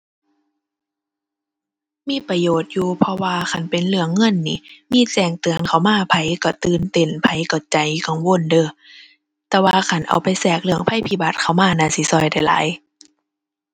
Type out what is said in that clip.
มีประโยชน์อยู่ เพราะว่าคันเป็นเรื่องเงินนี่ มีแจ้งเตือนเข้ามาไผก็ตื่นเต้น ไผก็ใจกังวลเด้อ แต่ว่าคันเอาไปแทรกเรื่องภัยพิบัติเข้ามาน่าสิก็ได้หลาย